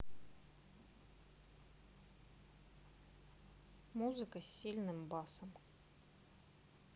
музыка с сильным басом